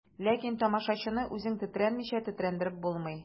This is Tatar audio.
Ләкин тамашачыны үзең тетрәнмичә тетрәндереп булмый.